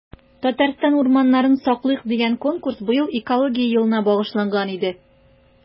“татарстан урманнарын саклыйк!” дигән конкурс быел экология елына багышланган иде.